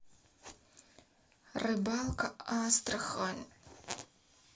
рыбалка астрахань